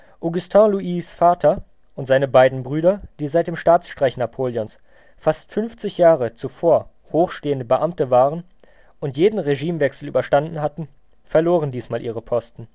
Augustin Louis’ Vater und seine beiden Brüder, die seit dem Staatsstreich Napoleons fast 50 Jahre zuvor hochstehende Beamte waren und jeden Regimewechsel überstanden hatten, verloren diesmal ihre Posten